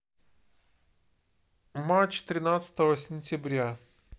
матч тринадцатого сентября